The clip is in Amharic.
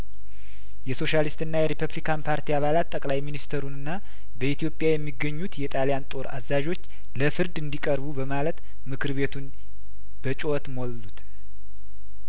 የሶሻሊስትና የሪፐብሊካን ፓርቲ አባላት ጠቅላይ ሚኒስተሩንና በኢትዮጵያ የሚገኙት የጣሊያን ጦር አዛዦች ለፍርድ እንዲቀርቡ በማለት ምክርቤቱን በጩአት ሞሉት